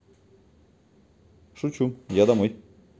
шучу я домой